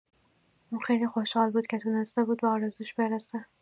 اون خیلی خوشحال بود که تونسته بود به آرزوش برسه.